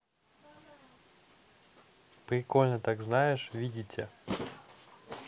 прикольно так знаешь видите